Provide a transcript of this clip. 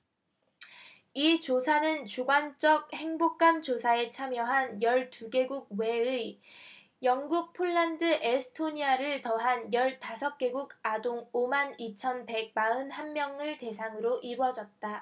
이 조사는 주관적 행복감 조사에 참여한 열 두 개국 외에 영국 폴란드 에스토니아를 더한 열 다섯 개국 아동 오 만 이 천 백 마흔 한 명을 대상으로 이뤄졌다